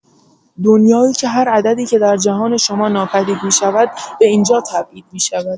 دنیایی که هر عددی که در جهان شما ناپدید می‌شود، به اینجا تبعید می‌شود.